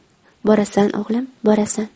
borasan o'g'lim borasan